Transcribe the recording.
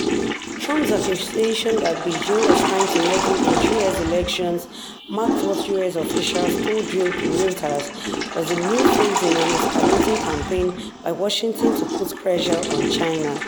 Trump's accusation that Beijing was trying to meddle in U.S. elections marked what U.S. officials told Reuters was a new phase in an escalating campaign by Washington to put pressure on China.